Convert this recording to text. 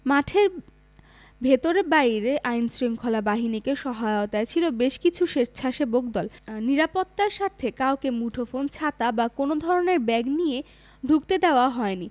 মাঠের ভেতর বাইরে আইনশৃঙ্খলা বাহিনীকে সহায়তায় ছিল বেশ কিছু স্বেচ্ছাসেবক দল নিরাপত্তার স্বার্থে কাউকে মুঠোফোন ছাতা বা কোনো ধরনের ব্যাগ নিয়ে ঢুকতে দেওয়া হয়নি